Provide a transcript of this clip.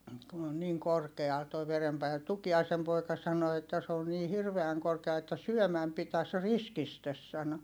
kun on niin korkealla tuo verenpaine Tukiaisen poika sanoi että se n niin hirveän korkealla että syömän pitäisi riskisti sanoi